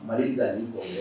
Mari bɛka lit kɔngɔ